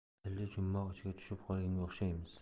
sirli jumboq ichiga tushib qolganga o'xshaymiz